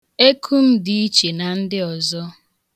Eku m dị iche na ndị ọzọ.